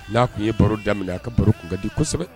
N'a kun ye baro daminɛ a ka baro kun kadi kosɛbɛ